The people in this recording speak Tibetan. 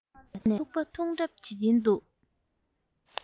ཙོག ནས ཐུག པ འཐུང གྲབས བྱེད ཀྱིན འདུག